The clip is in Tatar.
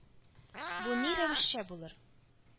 Бу ни рәвешчә булыр